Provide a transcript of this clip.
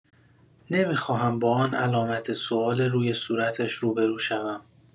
نمی‌خواهم با آن علامت سوال روی صورتش روبه‌رو شوم.